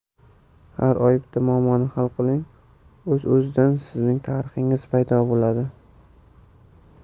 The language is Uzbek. har oy bitta muammoni hal qiling o'z o'zidan sizning tarixingiz paydo bo'ladi